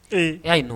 Ee y'a ye nɔo